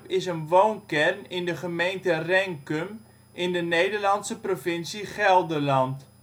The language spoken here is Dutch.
is een woonkern in de gemeente Renkum, in de Nederlandse provincie Gelderland